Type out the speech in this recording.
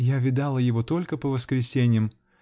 Я видала его только по воскресеньям.